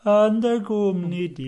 Yn dy gwmni di.